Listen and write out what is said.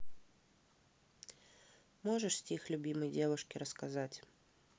можешь стих любимой девушке рассказать